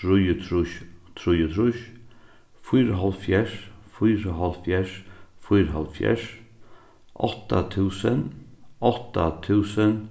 trýogtrýss trýogtrýss fýraoghálvfjerðs fýraoghálvfjerðs fýraoghálvfjerðs átta túsund átta túsund